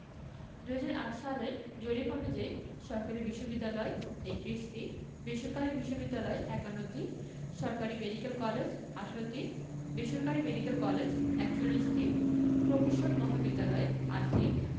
২০০৮ সালের জরিপ অনুযায়ী সরকারি বিশ্ববিদ্যালয় ৩১টি বেসরকারি বিশ্ববিদ্যালয় ৫১টি সরকারি মেডিকেল কলেজ ১৮টি বেসরকারি মেডিকেল কলেজ ৪১টি প্রকৌশল মহাবিদ্যালয় ৮টি